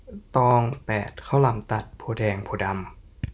ตองแปดข้าวหลามตัดโพธิ์แดงโพธิ์ดำ